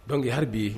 Bange hali bi